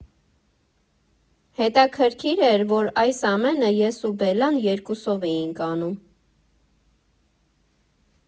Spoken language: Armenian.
Հետաքրքիր էր, որ այս ամենը ես ու Բելլան երկուսով էինք անում։